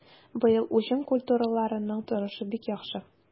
Быел уҗым культураларының торышы бик яхшы.